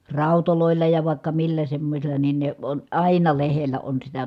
raudoilla ja vaikka millä semmoisilla niin ne on aina lehdellä on sitä